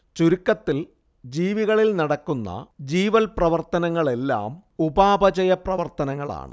ചുരുക്കത്തിൽ ജീവികളിൽ നടക്കുന്ന ജീവൽ പ്രവർത്തനങ്ങളെല്ലാം ഉപാപചയ പ്രവർത്തനങ്ങളാണ്